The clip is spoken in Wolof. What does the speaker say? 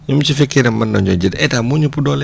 même su fekkee ne mën nañoo jënd état moo ñu ëpp doole